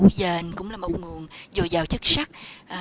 dền cũng là một nguồn dồi dào chất sắt